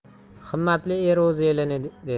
himmatli er o'z elini der